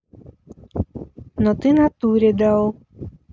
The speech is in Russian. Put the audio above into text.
но ты натуре дал